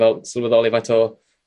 fel sylweddoli faint o